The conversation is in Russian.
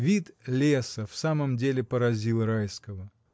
Вид леса в самом деле поразил Райского.